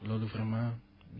loolu vraiment